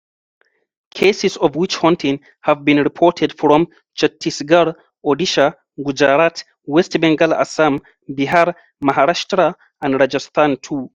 Cases of witch-hunting have been reported from Chattisgarh, Odisha, Gujarat, West Bengal Assam, Bihar, Maharashtra and Rajasthan too.